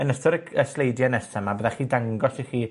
yn ystod y c- y sleidie nesa 'ma, byddai 'llu dangos i chi